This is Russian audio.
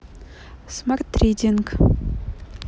смартридинг